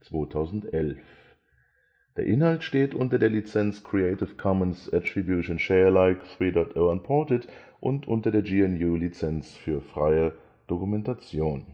vom Der Inhalt steht unter der Lizenz Creative Commons Attribution Share Alike 3 Punkt 0 Unported und unter der GNU Lizenz für freie Dokumentation